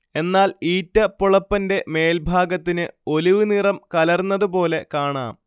എന്നാൽ ഈറ്റ പൊളപ്പന്റെ മേൽഭാഗത്തിന് ഒലിവ് നിറം കലർന്നതുപോലെ കാണാം